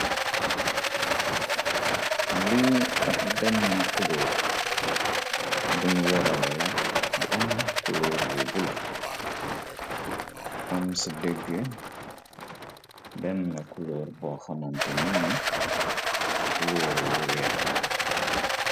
Li ab benn na kuloor buñ woralala bu an kulóoru wu bula am ci dëgg benn na kuloor bo xamante nin kulooru wu weex.